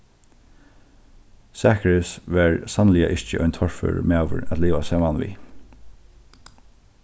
zakaris var sanniliga ikki ein torførur maður at liva saman við